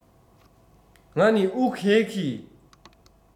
ང ནི དབུགས ཧལ གིས